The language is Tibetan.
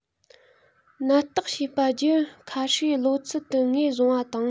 ནད བརྟག བྱས པ བརྒྱུད ཁ ཧྲིའི གློ ཚད དུ ངོས བཟུང བ དང